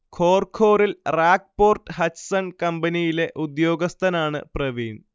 Khor ഖോറിൽ RAK port Hutchison കമ്പനിയിലെ ഉദ്യോഗസ്ഥനാണ് പ്രവീൺ